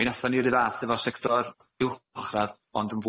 Mi nathon ni ry' fath efo'r sector uwchradd ond yn